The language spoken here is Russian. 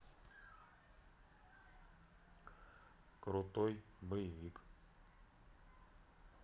крутой боевик